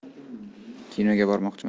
kinoga bormoqchiman